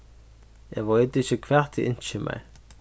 eg veit ikki hvat eg ynski mær